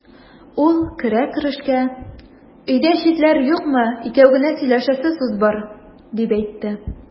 Ул керә-керешкә: "Өйдә читләр юкмы, икәү генә сөйләшәсе сүз бар", дип әйтте.